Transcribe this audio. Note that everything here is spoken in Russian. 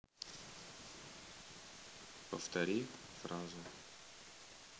повтори фразу